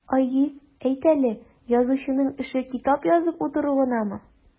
Айгиз, әйт әле, язучының эше китап язып утыру гынамы?